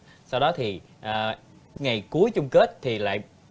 sau đó thì à ngày cuối chung kết thì lại